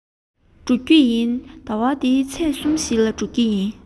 ད དུང སོང མེད ཟླ བ འདིའི ཚེས གསུམ བཞིའི གཅིག ལ འགྲོ གི ཡིན